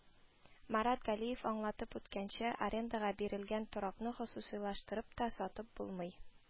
Марат Галиев аңлатып үткәнчә, арендага бирелгән торакны хосусыйлаштырып та, сатып булмый